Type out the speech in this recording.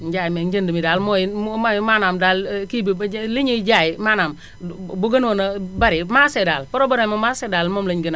njaay meeg njënd mi daal mooy mooy maanaam daal kii bi li ñuy jaay maanaam bu bu gënoon a bare marché daal problème mu marché daal lañu gën a